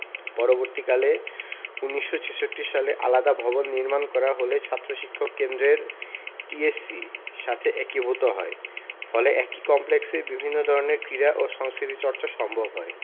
পরবর্তীকালে ১৯৬৬ সালে আলাদা ভবন নির্মাণ করা হলে ছাত্র শিক্ষক কেন্দ্রের টিএসসি সাথে একীভূত হয় ফলে একই কমপ্লেক্সে বিভিন্ন ধরনের ক্রীড়া ও সংস্কৃতি চর্চা সম্ভব হয়